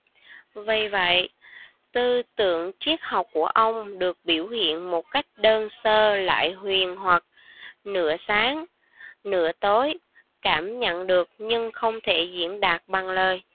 vì vậy tư tưởng triết học của ông được biểu hiện một cách đơn sơ lại huyền hoặc nửa sáng nửa tối cảm nhận được nhưng không thể diễn đạt bằng lời